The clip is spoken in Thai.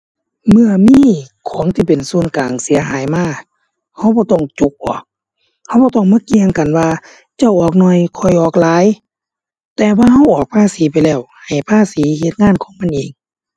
เมื่อมีของที่เป็นส่วนกลางเสียหายมา เราบ่ต้องจกออก เราบ่ต้องมาเกี่ยงกันว่าเจ้าออกน้อยข้อยออกหลาย แต่ว่าเราออกภาษีไปแล้ว ให้ภาษีเฮ็ดงานของมันเอง